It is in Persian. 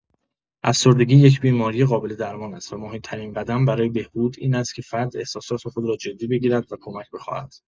افسردگی یک بیماری قابل‌درمان است و مهم‌ترین قدم برای بهبود این است که فرد احساسات خود را جدی بگیرد و کمک بخواهد.